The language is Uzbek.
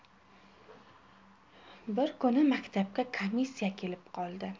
bir kuni maktabga komissiya kelib qoldi